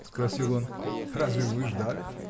— спросил он, — разве вы ждали?